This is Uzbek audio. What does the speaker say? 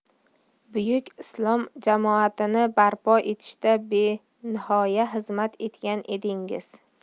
buyuk islom jamoatini barpo etishda benihoya xizmat etgan edingiz